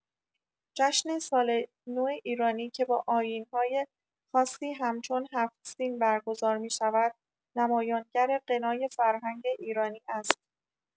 جشن سال‌نو ایرانی که با آیین‌های خاصی همچون هفت‌سین برگزار می‌شود، نمایانگر غنای فرهنگ ایرانی است.